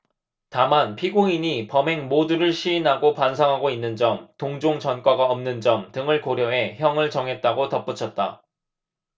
다만 피고인이 범행 모두를 시인하고 반성하고 있는 점 동종 전과가 없는 점 등을 고려해 형을 정했다고 덧붙였다